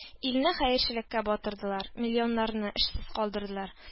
- илне хәерчелеккә батырдылар, миллионнарны эшсез калдырдылар